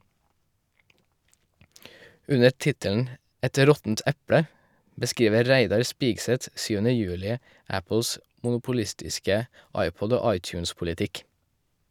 Under tittelen "Et råttent eple" beskriver Reidar Spigseth 7. juli Apples monopolistiske iPod- og iTunes-politikk.